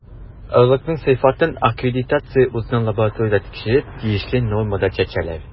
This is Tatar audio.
Орлыкның сыйфатын аккредитация узган лабораториядә тикшертеп, тиешле нормада чәчәләр.